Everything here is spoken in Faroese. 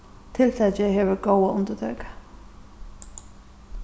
tiltakið hevur góða undirtøku